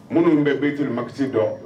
Minnu bɛ Bayitul maqsi dɔn